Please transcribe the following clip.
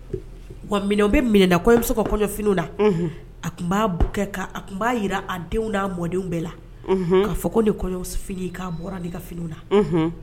Min bɛ minɛda kɔɲɔmuso ka kɔɲɔf na a tun ba tun ba jira a denw'a mɔdenw bɛɛ la k'a fɔ ko ni kɔɲɔf finia bɔra ka fini na